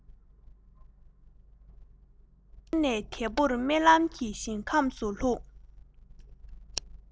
འཆར ཡན ནས དལ བུར རྨི ལམ གྱི ཞིང ཁམས སུ ལྷུང